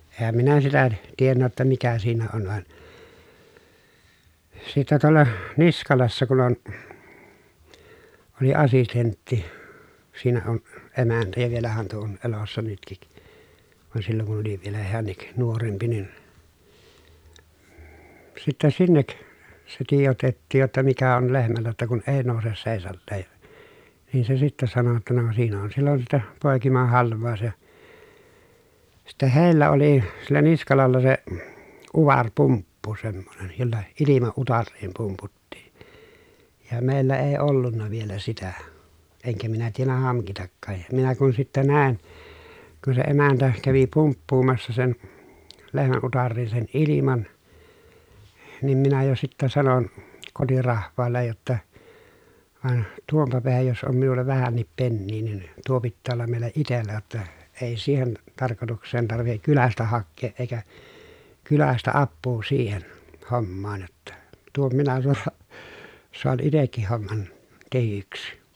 enhän minä sitä tiennyt jotta mikä siinä on vaan sitten tuolla Niskalassa kun on oli assistentti siinä on emäntä ja vielähän tuo on elossa nytkin vaan silloin kun oli vielä hänkin nuorempi niin sitten sinne se tiedotettiin jotta mikä on lehmällä jotta kun ei nouse seisaalleen ja niin se sitten sanoi jotta no siinä on silloin sitten poikimahalvaus ja sitten heillä oli sillä Niskalalla se - utarepumppu semmoinen jolla ilma utariin pumputtiin ja meillä ei ollut vielä sitä enkä minä tiennyt hankitakaan ja minä kun sitten näin kun se emäntä kävi pumppuamassa sen lehmän utariin sen ilman niin minä jo sitten sanoin kotirahvaalle jotta vaan tuonpa päähän jos on minulla vähänkin penniä niin tuo pitää olla meillä itsellä jotta ei siihen tarkoitukseen tarvitse kylästä hakea eikä kylästä apua siihen hommaan jotta tuon minä - saan itsekin homman tehdyksi